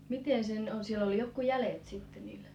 miten sen siellä oli jotkut jäljet sitten niillä